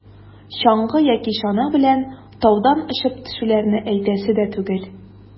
Чаңгы яки чана белән таудан очып төшүләрне әйтәсе дә түгел.